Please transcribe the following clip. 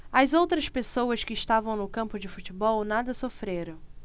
as outras pessoas que estavam no campo de futebol nada sofreram